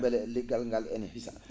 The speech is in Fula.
beele leggal gal ene hissa